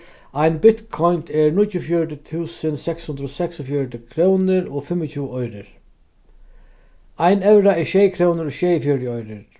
ein er níggjuogfjøruti túsund seks hundrað og seksogfjøruti krónur og fimmogtjúgu oyrur ein evra er sjey krónur og sjeyogfjøruti oyrur